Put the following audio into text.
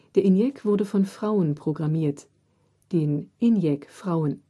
Der ENIAC wurde von Frauen programmiert, den „ ENIAC-Frauen